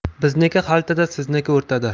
bizniki xaltada sizniki o'rtada